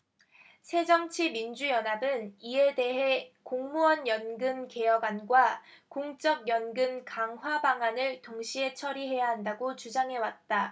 새정치민주연합은 이에 대해 공무원연금 개혁안과 공적연금 강화방안을 동시에 처리해야 한다고 주장해왔다